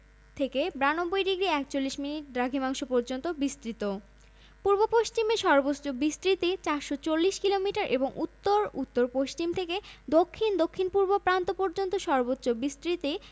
থেকে ৯২ ডিগ্রি ৪১মিনিট দ্রাঘিমাংশ পর্যন্ত বিস্তৃত পূর্ব পশ্চিমে সর্বোচ্চ বিস্তৃতি ৪৪০ কিলোমিটার এবং উত্তর উত্তর পশ্চিম থেকে দক্ষিণ দক্ষিণপূর্ব প্রান্ত পর্যন্ত সর্বোচ্চ বিস্তৃতি